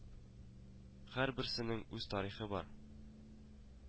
Һәрберсенең үз тарихы бар